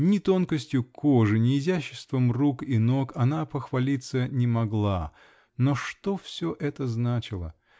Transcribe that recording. ни тонкостью кожи, ни изяществом рук и ног она похвалиться не могла -- но что все это значило?